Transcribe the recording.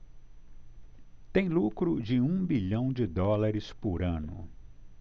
tem lucro de um bilhão de dólares por ano